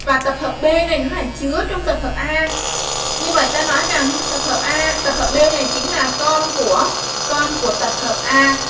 bài tập hợp b nên nó phải chứa trong tập hợp a như vậy ta nói rằng tập hợp a tập hợp b này chính là con của con của tập hợp a